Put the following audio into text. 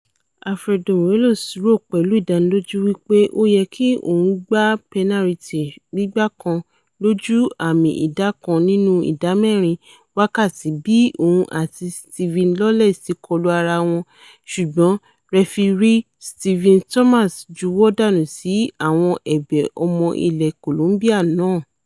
Alfredo Morelos rò pẹ̀lú ìdánilójú wí pé ó yẹ́ki òun gba pẹnariti gbígbá kan lójú àmì ìdá kan nínú ìdá mẹ́rin wákàtí bí òun àti Steven Lawless tíkọlu ara wọn ṣùgbọ́n rẹfirí Steven Thomson juwọ́ dànù sí àwọn ẹ̀bẹ̀ ọmọ ilẹ Colombia náà.